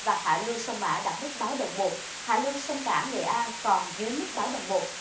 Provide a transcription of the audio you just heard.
và hạ lưu sông mã đạt mức báo động một hạ lưu sông cả nghệ an còn dưới mức báo động một